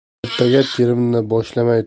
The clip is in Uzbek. ertaga terimni boshlamay